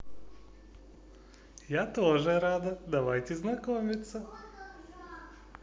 я тоже рада давайте знакомиться